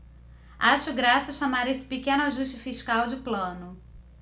acho graça chamar esse pequeno ajuste fiscal de plano